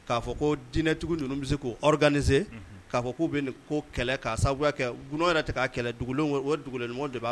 K'a fɔ ko dinɛtigiw ninnu bɛ se'rkaanise k'a fɔ k'u bɛ nin ko kɛlɛ ka kɛ g yɛrɛ kɛlɛ dugu o dugu ɲɔgɔn de